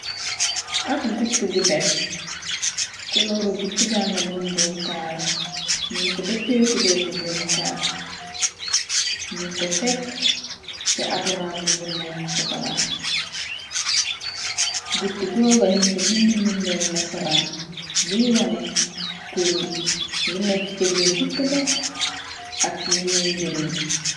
Ab gut gu def koloru guttuga nga doon doom taal ñun ko dëppee kubeer gu doom taal ñu ko tekk ca ab rab bu nekk sokola gut googa ñun ko bind mbindam nasaraan luy wone turuy lu nekk ca bir guttuga ak lu muy njëri ñu.